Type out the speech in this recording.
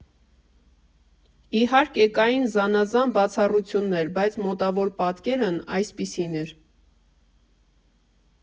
Իհարկե, կային զանազան բացառություններ, բայց մոտավոր պատկերն այսպիսին էր։